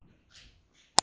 དྲང མོར བཤད ད བཤད